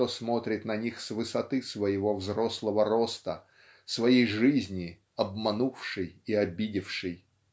кто смотрит на них с высоты своего взрослого роста своей жизни обманувшей и обидевшей.